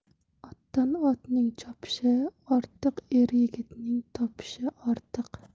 otdan otning chopishi ortiq er yigitning topishi ortiq